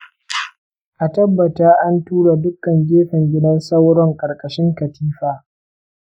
a tabbata an tura dukkan gefen gidan sauron ƙarƙashin katifa.